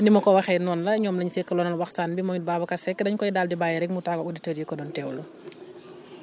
ni ma ko waxee noonu la ñoom la ñu seqaloon waxtaan bi moom it Babacar Seck dañu koy daal di bàyyi rek mu tàngoo ak auditeurs yi ko doon teewlu